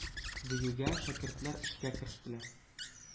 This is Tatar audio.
Диюгә, шәкертләр эшкә керештеләр.